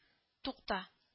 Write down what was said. Тукта